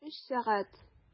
Өч сәгать!